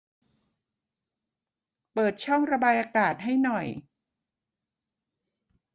เปิดช่องระบายอากาศให้หน่อย